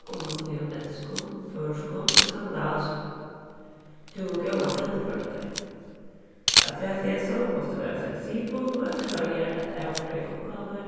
og munnligum enskum føroyskum og skandinaviskum tú hevur góðar telduførleikar afturat hesum mást tú vera fleksibul og vera til reiðar at avgreiða uppgávurnar